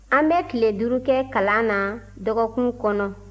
an bɛ tile duuru kɛ kalan na dɔgɔkun kɔnɔ